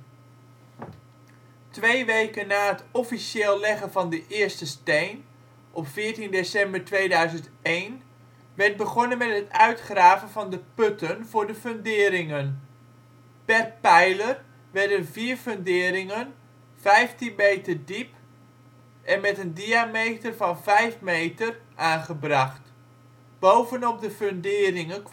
Twee weken na het officieel leggen van de eerste steen, 14 december 2001, werd begonnen met het uitgraven van de putten voor de funderingen. Per pijler werden vier funderingen, vijftien meter diep en met een diameter van vijf meter, aangebracht. Bovenop de funderingen